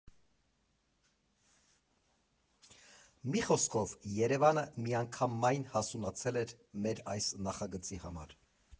Մի խոսքով, Երևանը միանգամայն հասունացել էր մեր այս նախագծի համար։